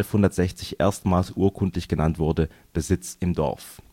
1160 erstmals urkundlich genannt wurde, Besitz im Dorf